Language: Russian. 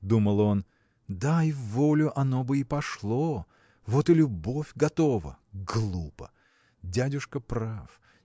– думал он, – дай волю, оно бы и пошло! Вот и любовь готова: глупо! Дядюшка прав.